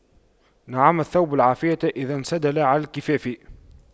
نعم الثوب العافية إذا انسدل على الكفاف